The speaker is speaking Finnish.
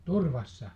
turvassa